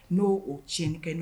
N'o oo cɛn kɛ ye